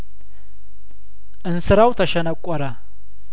እንስራው ተሸነቆረ